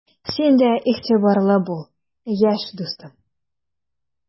Син дә игътибарлы бул, яшь дустым!